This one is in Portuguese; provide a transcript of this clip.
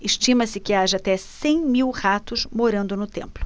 estima-se que haja até cem mil ratos morando no templo